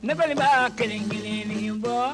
Ne kɔni b'a kelenkelennin fɔ